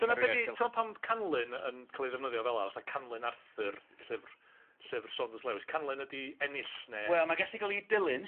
Dyna be' fi... T'od pan m- canlyn yn ca'l 'i ddefnyddio fel 'a, fatha canlyn Arthur, llyfr llyfr Saunders Lewis, canlyn ydy ennill ne'? Wel ma'n gallu golygu dilyn.